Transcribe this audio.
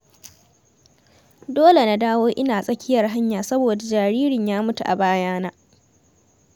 'Dole na dawo ina tsakiyar hanya saboda jaririn ya mutu a bayana''.